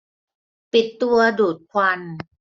ปิดตัวดูดควัน